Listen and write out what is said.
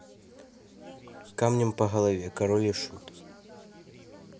камнем по голове король и шут